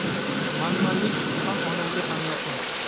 manmanlik tuqqan onangga ham yoqmas